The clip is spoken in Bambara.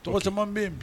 Tosi bɛ yen